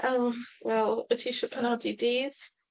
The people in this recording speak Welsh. Yym, wel wyt ti isie penodi dydd?